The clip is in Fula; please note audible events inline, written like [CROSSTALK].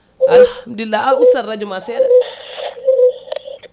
[NOISE] alhamdulillh a ustat radio ma seeɗa [NOISE]